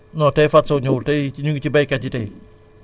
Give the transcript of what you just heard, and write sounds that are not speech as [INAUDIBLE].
[HESITATION] wala tay Fatou Sow ñëwul